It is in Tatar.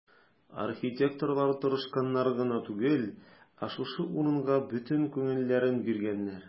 Архитекторлар тырышканнар гына түгел, ә шушы урынга бөтен күңелләрен биргәннәр.